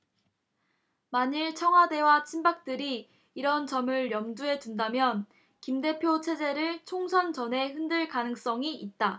만일 청와대와 친박들이 이런 점을 염두에 둔다면 김 대표 체제를 총선 전에 흔들 가능성이 있다